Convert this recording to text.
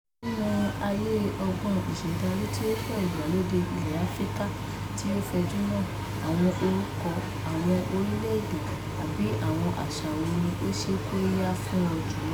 Nínú àyè ọgbọ́n ìṣẹ̀dá litiréṣọ̀ ìgbàlódé ilẹ̀ Áfíríkà tí ó fẹjú náà, àwọn orúkọ, àwọn orílẹ̀-èdè, àbí àwọn àṣà wo ni ó ń ṣe kóríyá fún ọ jùlọ?